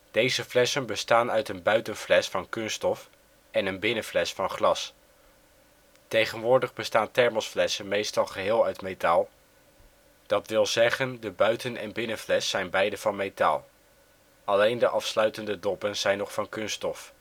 Deze flessen bestaan uit een buitenfles van kunststof en een binnenfles van glas. Tegenwoordig bestaan thermosflessen meestal geheel uit metaal, dat wil zeggen de buiten - en binnenfles zijn beide van metaal. Alleen de afsluitende doppen zijn nog van kunststof